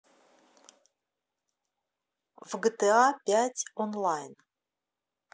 в гта пять онлайн